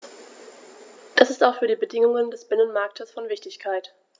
Das ist auch für die Bedingungen des Binnenmarktes von Wichtigkeit.